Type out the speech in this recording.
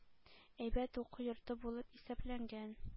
Әйбәт уку йорты булып исәпләнгән,